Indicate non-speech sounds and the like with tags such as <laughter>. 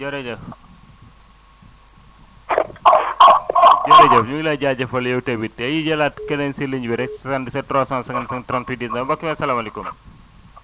jërëjëf <noise> <noise> jërëjëf ñu ngi lay jaajëfal yow tamit dañuy jëlaat keneen si ligne bi rek <noise> 77 355 <noise> 38 19 <noise> mbokk mi asalaamaaleykum